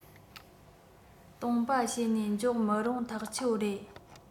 སྟོང པ བྱོས ནས འཇོག མི རུང ཐག ཆོད རེད